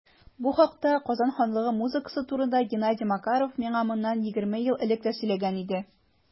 Бу хакта - Казан ханлыгы музыкасы турында - Геннадий Макаров миңа моннан 20 ел элек тә сөйләгән иде.